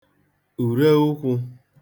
ùreụkwụ̄